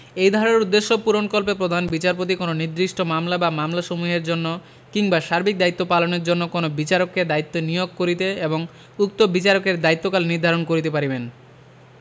এই ধারার উদ্দেশ্য পূরণকল্পে প্রধান বিচারপতি কোন নির্দিষ্ট মামলা বা মামলাসমূহের জন্য কিংবা সার্বিক দায়িত্ব পালনের জন্য কোন বিচারককে দায়িত্ব নিয়োগ করিতে এবং উক্ত বিচারকের দায়িত্বকাল নির্ধারণ করিতে পারিবেন